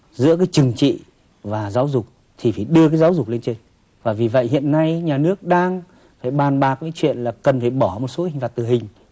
giữa cái trừng trị và giáo dục thì phải đưa cái giáo dục lên trên và vì vậy hiện nay nhà nước đang phải bàn bạc cái chuyện là cần phải bỏ một số hình phạt tử hình